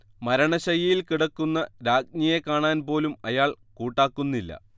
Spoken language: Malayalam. മരണശയ്യയിൽ കിടക്കുന്ന രാജ്ഞിയെ കാണാൻ പോലും അയാൾ കൂട്ടാക്കുന്നില്ല